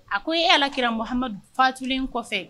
A ko e Alakira Muhamadu fatulen kɔfɛ